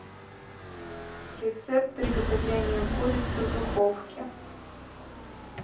рецепт приготовления курицы в духовке